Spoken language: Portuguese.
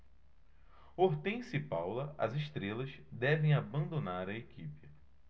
hortência e paula as estrelas devem abandonar a equipe